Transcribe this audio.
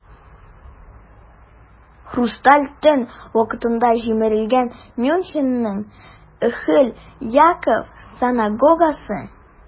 "хрусталь төн" вакытында җимерелгән мюнхенның "охель яаков" синагогасы.